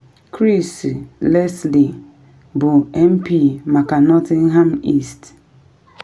Chris Leslie bụ MP maka Nottingham East